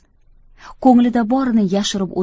ko'nglida borini yashirib